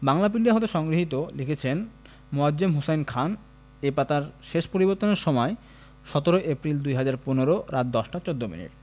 বাংলাপিডিয়া থেকে সংগ্রহীত লিখেছেনঃ মুয়ায্ যম হুসাইন খান এ পাতার শেষ পরিবর্তনের সময়ঃ ১৭ এপ্রিল ২০১৫রাত ১০টা ১৪ মিনিট